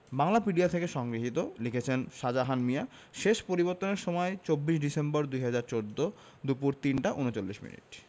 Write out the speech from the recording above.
বাংলাপিডিয়া থেকে সংগৃহীত লিখেছেনঃ সাজাহান মিয়া শেষ পরিবর্তনের সময় ২৪ ডিসেম্বর ২০১৪ দুপুর ৩টা ৩৯মিনিট